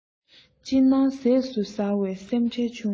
ཅི སྣང ཟས སུ ཟ བས སེམས ཁྲལ ཆུང